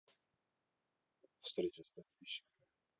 встреча с подписчиками